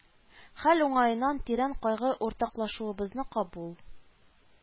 Хәл уңаеннан тирән кайгы уртаклашуыбызны кабул